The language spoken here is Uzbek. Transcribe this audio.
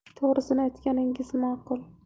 to'g'risini aytganingiz maqul